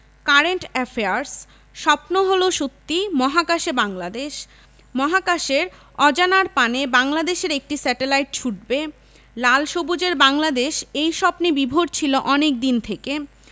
current affairs স্বপ্ন হলো সত্যি মহাকাশে বাংলাদেশ মহাকাশের অজানার পানে বাংলাদেশের একটি স্যাটেলাইট ছুটবে লাল সবুজের বাংলাদেশ এই স্বপ্নে বিভোর ছিল অনেক দিন থেকে